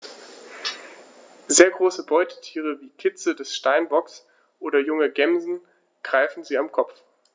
Sehr große Beutetiere wie Kitze des Steinbocks oder junge Gämsen greifen sie am Kopf.